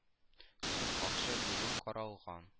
Сум акча бүлү каралган